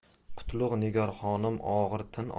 qutlug' nigor xonim og'ir tin